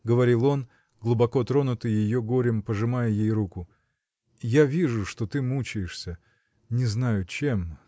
— говорил он, глубоко тронутый ее горем, пожимая ей руку, — я вижу, что ты мучаешься — не знаю, чем.